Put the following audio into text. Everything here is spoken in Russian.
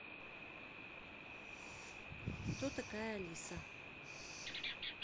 кто такая алиса